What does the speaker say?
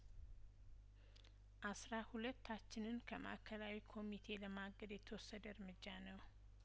አስራሁለታችንን ከማእከላዊ ኮሚቴ ለማገድ የተወሰደ እርምጃ ነው